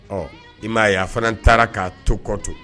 Ɔ i m'a ye a fana taara k'a to kɔ tun